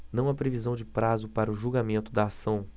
não há previsão de prazo para o julgamento da ação